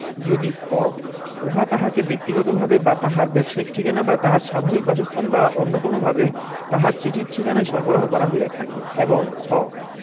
যদি ক উহা তাহাকে বক্তিগতভাবে বা তাহার ব্যবসায়িক ঠিকানা বা তাহার স্বাভাবিক বাসস্থান বা অন্য কোনভাবে তাহার চিঠির ঠিকানায় সরবরাহ করা হইয়া থাকে এবং খ